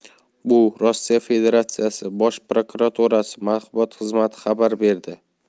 bu rossiya federatsiyasi bosh prokuraturasi matbuot xizmati xabar berdi